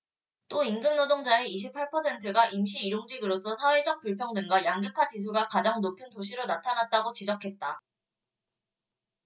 또 임금노동자의 이십 팔 퍼센트가 임시 일용직으로서 사회적 불평등과 양극화 지수가 가장 높은 도시로 나타났다 고 지적했다